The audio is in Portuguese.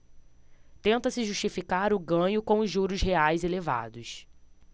tenta-se justificar o ganho com os juros reais elevados